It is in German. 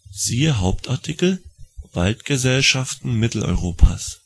Siehe Hauptartikel: Waldgesellschaften Mitteleuropas